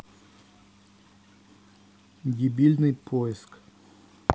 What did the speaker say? дебильный поиск